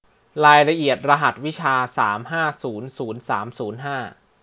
รายละเอียดรหัสวิชาสามห้าศูนย์ศูนย์สามศูนย์ห้า